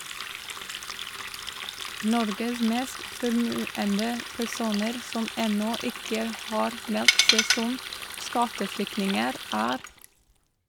Norges mest formuende personer, som ennå ikke har meldt seg som skatteflyktninger, er ...